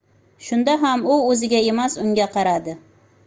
shunda ham u o'ziga emas unga qaradi